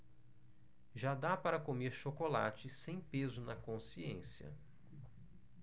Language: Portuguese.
já dá para comer chocolate sem peso na consciência